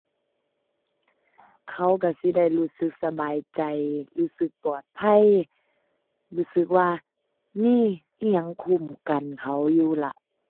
เขาก็สิได้รู้สึกสบายใจ รู้สึกปลอดภัย รู้สึกว่ามีอิหยังคุ้มกันเขาอยู่ล่ะ